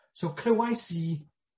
So clywais i